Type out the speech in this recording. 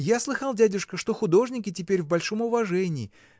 — Я слыхал, дядюшка, что художники теперь в большом уважении.